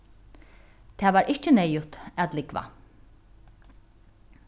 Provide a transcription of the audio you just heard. tað var ikki neyðugt at lúgva